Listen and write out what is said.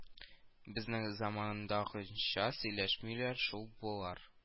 Безнең замандагыча сөйләшмиләр шул болар